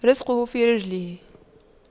رِزْقُه في رجليه